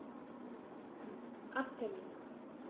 Arzttermin